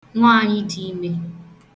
nwaànyị̀diime